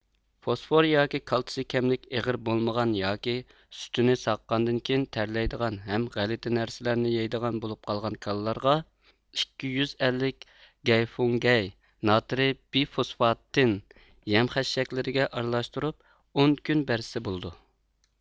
فوسفور ياكى كالتسىي كەملىك ئېغىر بولمىغان ياكى سۈتىنى ساغقاندىن كېيىن تەرلەيدىغان ھەم غەلىتە نەرسىلەرنى يەيدىغان بولۇپ قالغان كالىلارغا ئىككى يۈز ئەللىك گەيفۇڭگەي ناترىي بىفوسفاتتىن يەم خەشەكلىرىگە ئارىلاشتۇرۇپ ئون كۈن بەرسە بولىدۇ